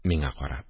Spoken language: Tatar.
Миңа карап